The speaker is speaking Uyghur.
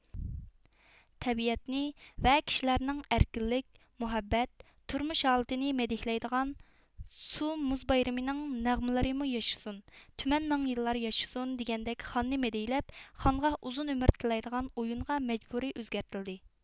تەبىئەتنى ۋە كىشىلەرنىڭ ئەركىنلىك مۇھەببەت تۇرمۇش ھالىتىنى مەدھىيلەيدىغان سۇ مۇز بايرىمىنىڭ نەغمىلىرىمۇ ياشىسۇن تۈمەن مىڭ يىللار ياشىسۇن دېگەندەك خاننى مەدھىيلەپ خانغا ئۇزۇن ئۆمۈر تىلەيدىغان ئۇيۇنغا مەجبۇرى ئۆزگەرتىلدى